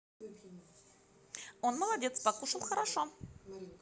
он молодец покушал хорошо